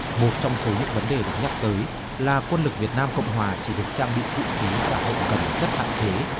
một trong số những vấn đề được nhắc tới là quân lực việt nam cộng hòa chỉ được trang bị vũ khí và hậu cần rất hạn chế